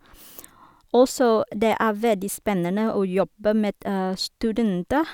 Og så det er veldig spennende å jobbe med studenter.